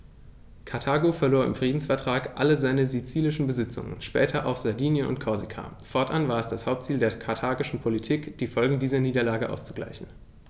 Karthago verlor im Friedensvertrag alle seine sizilischen Besitzungen (später auch Sardinien und Korsika); fortan war es das Hauptziel der karthagischen Politik, die Folgen dieser Niederlage auszugleichen.